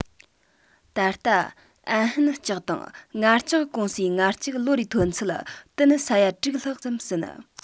ད ལྟ ཨན ཧྲན ལྕགས དང ངར ལྕགས ཀུང སིའི ངར ལྕགས ལོ རེའི ཐོན ཚད ཏུན ས ཡ དྲུག ལྷག ཙམ ཟིན